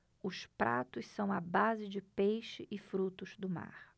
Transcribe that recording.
os pratos são à base de peixe e frutos do mar